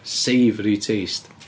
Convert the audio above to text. Savoury taste.